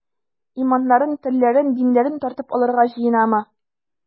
Иманнарын, телләрен, диннәрен тартып алырга җыенамы?